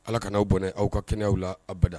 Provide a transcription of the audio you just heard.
Ala kana aw bɔnɛ aw ka kɛnɛya la abada